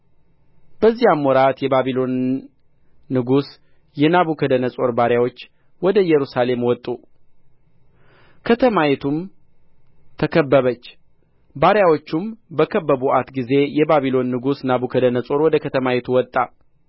በዚያም ወራት የባቢሎን ንጉሥ የናቡከደነዖር ባሪያዎች ወደ ኢየሩሳሌም ወጡ ከተማይቱም ተከበበች ባሪያዎቹም በከበቡአት ጊዜ የባቢሎን ንጉሥ ናብከደነዖር ወደ ከተማይቱ ወጣ